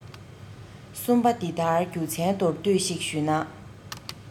གསུམ པ དེ ལྟར རྒྱུ མཚན མདོར བསྡུས ཤིག ཞུས ན